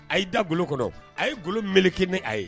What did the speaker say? A y'i da golo kɔnɔ a ye golo mlik a ye